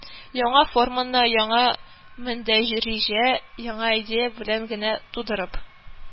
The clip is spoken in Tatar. Яңа форманы яңа мөндәриҗә, яңа идея белән генә тудырып